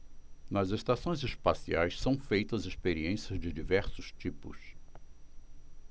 nas estações espaciais são feitas experiências de diversos tipos